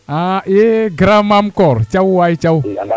a Grand Mamecor Thiaw waay Thiaw